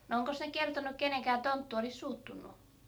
no onkos ne kertonut et kenenkään tonttu olisi suuttunut